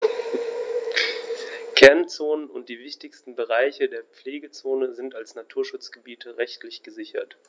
Kernzonen und die wichtigsten Bereiche der Pflegezone sind als Naturschutzgebiete rechtlich gesichert.